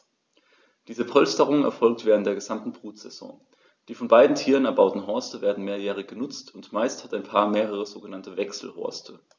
Diese Polsterung erfolgt während der gesamten Brutsaison. Die von beiden Tieren erbauten Horste werden mehrjährig benutzt, und meist hat ein Paar mehrere sogenannte Wechselhorste.